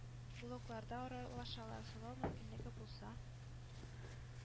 Блогларда аралашалар, сайлау мөмкинлеге булса,